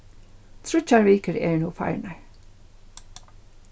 tríggjar vikur eru nú farnar